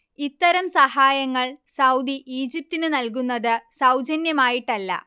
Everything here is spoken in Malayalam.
ഇത്തരം സഹായങ്ങൾ സൗദി ഈജിപ്തിന് നൽകുന്നത് സൗജന്യമായിട്ടല്ല